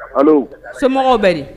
Ayiwa semɔgɔw bɛ di